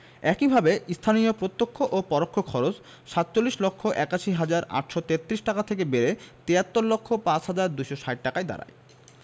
একইভাবে স্থানীয় প্রত্যক্ষ ও পরোক্ষ খরচ ৪৭ লক্ষ ৮১ হাজার ৮৩৩ টাকা থেকে বেড়ে ৭৩ লক্ষ ৫ হাজার ২৬০ টাকায় দাঁড়ায়